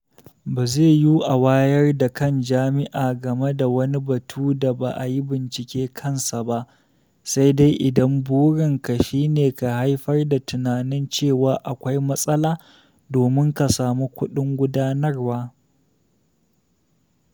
Ba zai yiwu a wayar da kan jama’a game da wani batu da ba a yi bincike kansa ba, sai dai idan burinka shi ne ka haifar da tunanin cewa akwai matsala domin ka samu kuɗin gudanarwa.